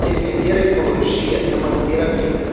defender a ecologia é manter a vida